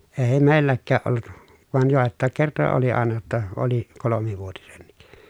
ei meilläkään ollut vain joitakin kertoja oli aina jotta oli kolmivuotinenkin